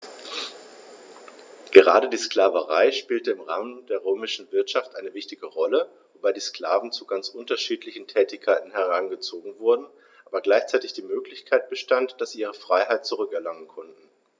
Gerade die Sklaverei spielte im Rahmen der römischen Wirtschaft eine wichtige Rolle, wobei die Sklaven zu ganz unterschiedlichen Tätigkeiten herangezogen wurden, aber gleichzeitig die Möglichkeit bestand, dass sie ihre Freiheit zurück erlangen konnten.